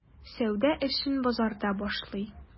Сәүдә эшен базарда башлый.